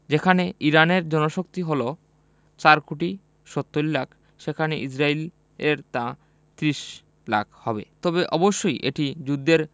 যেখানে ইরানের জনশক্তি হলো ৪ কোটি ৭০ লাখ সেখানে ইসরায়েলের তা ৩০ লাখ তবে অবশ্যই এটি যুদ্ধের